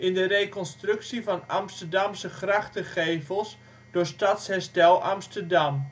de reconstructie van Amsterdamse grachtengevels door Stadsherstel Amsterdam